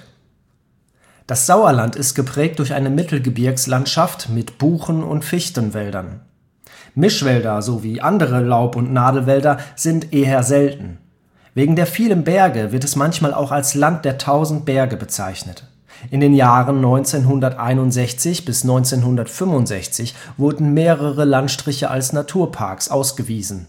Das Sauerland ist geprägt durch eine Mittelgebirgslandschaft mit Buchen - und Fichtenwäldern. Mischwälder sowie andere Laub - und Nadelwälder sind eher selten. Wegen der vielen Berge wird es manchmal auch als Land der tausend Berge bezeichnet. In den Jahren 1961 bis 1965 wurden mehrere Landstriche als Naturparks ausgewiesen